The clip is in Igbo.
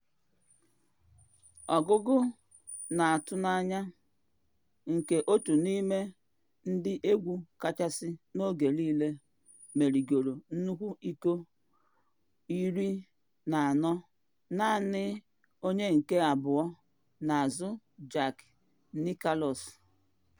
Ọgụgụ na atụ n’anya nke otu n’ime ndị egwu kachasị n’oge niile, merigoro nnukwu iko 14 naanị onye nke abụọ n’azụ Jack Nicklaus.